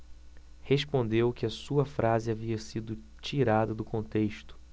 respondeu que a sua frase havia sido tirada do contexto